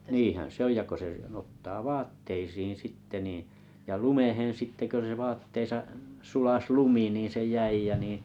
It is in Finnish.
niinhän se on ja kun se niin ottaa vaatteisiin sitten niin ja lumeen sitten kun se vaatteessa sulasi lumi niin se jäi ja niin